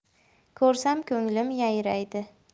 ko'rsam ko'nglim yayraydi